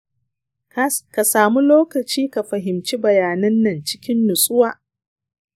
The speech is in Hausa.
ka samu lokaci ka fahimci bayanan nan cikin nutsuwa.